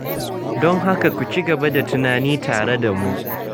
Don haka ku cigaba da tunani tare da mu!